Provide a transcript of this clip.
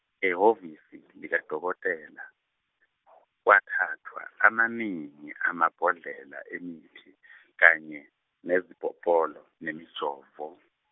ehhovisi lika dokotela, kwathathwa amaningi amabhodlela emithi kanye, nezipopolo nemijovo.